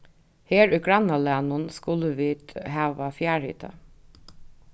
her í grannalagnum skulu vit hava fjarhita